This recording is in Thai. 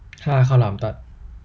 ห้าข้าวหลามตัด